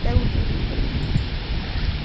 stóri hylurin